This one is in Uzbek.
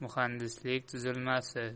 muhandislik tuzilmasi